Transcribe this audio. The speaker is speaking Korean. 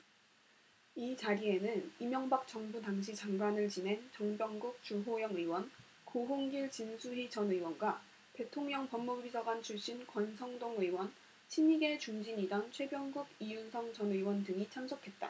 이 자리에는 이명박 정부 당시 장관을 지낸 정병국 주호영 의원 고흥길 진수희 전 의원과 대통령법무비서관 출신 권성동 의원 친이계 중진이던 최병국 이윤성 전 의원 등이 참석했다